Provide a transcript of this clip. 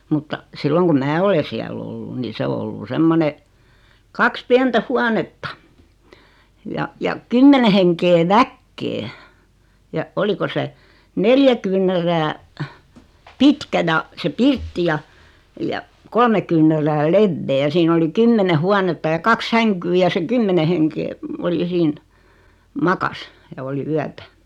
mutta silloin kun minä olen siellä ollut niin se on ollut semmoinen kaksi pientä huonetta ja ja kymmenen henkeä väkeä ja oliko se neljä kyynärää pitkä ja se pirtti ja ja kolme kyynärää leveä ja siinä oli kymmenen huonetta ja kaksi sänkyä ja se kymmenen henkeä oli ja siinä makasi ja oli yötä